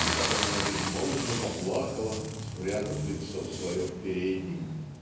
И потом она безмолвно заплакала, спрятав лицо свое в передник"